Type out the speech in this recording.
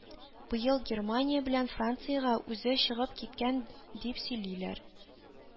Быел Германия белән Франциягә үзе чыгып киткән дип сөйлиләр